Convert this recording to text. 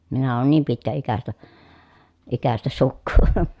minä olen niin - pitkäikäistä sukua